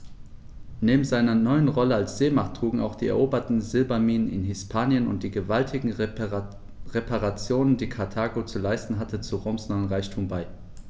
Neben seiner neuen Rolle als Seemacht trugen auch die eroberten Silberminen in Hispanien und die gewaltigen Reparationen, die Karthago zu leisten hatte, zu Roms neuem Reichtum bei.